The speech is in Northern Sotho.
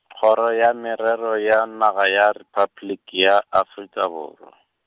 Kgoro ya Merero ya Naga ya Repabliki ya Afrika borwa.